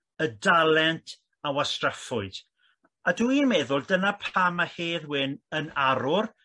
y dalent a wastraffwyd a dwi'n meddwl dyna pam ma' Hedd Wyn yn arwr